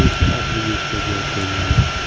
oxiriga yetkazmay qo'ymayman